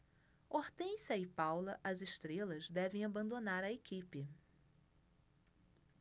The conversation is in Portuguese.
hortência e paula as estrelas devem abandonar a equipe